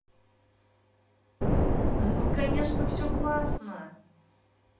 ну конечно все классно